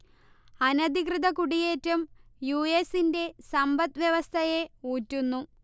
അനധികൃത കുടിയേറ്റം യു. എസിന്റെ സമ്പദ് വ്യവസ്ഥയെ ഊറ്റുന്നു